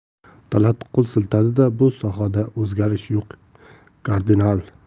talat qo'l siltadi bu sohada o'zgarish yo'q kardinal